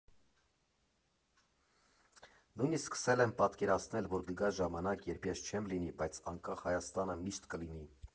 Նույնիսկ սկսել եմ պատկերացնել, որ կգա ժամանակ, երբ ես չեմ լինի, բայց անկախ Հայաստանը միշտ կլինի։